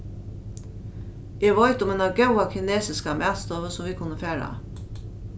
eg veit um eina góða kinesiska matstovu sum vit kunnu fara á